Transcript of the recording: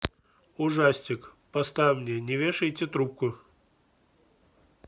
ужастик поставь не вешайте трубку